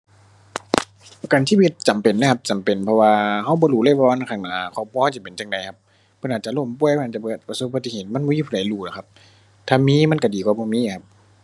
ประกันชีวิตจำเป็นเดะครับ จำเป็นเพราะว่าเราบ่รู้เลยว่าวันข้างหน้าครอบครัวเราสิเป็นจั่งใดครับ เพิ่นอาจจะล้มป่วย เพิ่นอาจจะเกิดประสบอุบัติเหตุ มันบ่มีผู้ใดรู้แหล้วครับ ถ้ามีมันเราดีกว่าบ่มีอะครับ